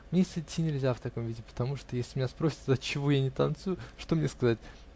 Вниз идти нельзя в таком виде, потому что если меня спросят, отчего я не танцую, что мне сказать?